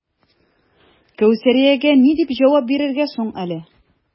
Кәүсәриягә ни дип җавап бирергә соң әле?